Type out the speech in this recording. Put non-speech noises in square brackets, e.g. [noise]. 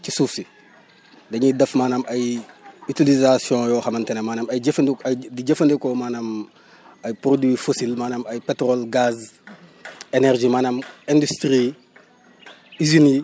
ci suuf si dañuy def maanaam ay utilisation yoo xamante ne maanaam ay jëfandiku ay di jëfandikoo maanaam ay produits yu fociles maanaam ay pétrole gaz [noise] énergie maanaam industries yi usines yi